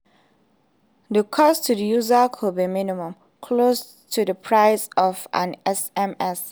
The cost to the user would be minimal — close to the price of an SMS.